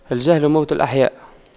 الجهل موت الأحياء